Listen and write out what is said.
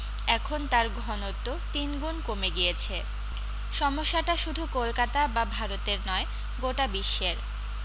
এখন তার ঘনত্ব তিন গুণ কমে গিয়েছে সমস্যাটা শুধু কলকাতা বা ভারতের নয় গোটা বিশ্বের